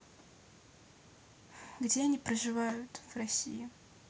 где они проживают в россии